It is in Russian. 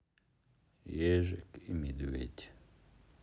ежик и медведь